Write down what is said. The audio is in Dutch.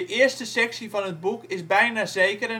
eerste sectie van het boek is bijna zeker